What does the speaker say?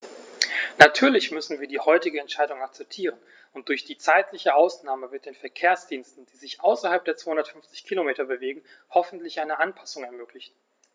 Natürlich müssen wir die heutige Entscheidung akzeptieren, und durch die zeitliche Ausnahme wird den Verkehrsdiensten, die sich außerhalb der 250 Kilometer bewegen, hoffentlich eine Anpassung ermöglicht.